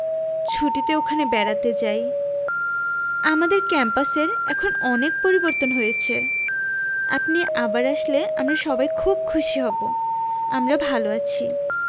ছুটিতে ওখানে বেড়াতে যাই আমাদের ক্যাম্পাসের এখন অনেক পরিবর্তন হয়েছে আপনি আবার আসলে আমরা সবাই খুব খুশি হব আমরা ভালো আছি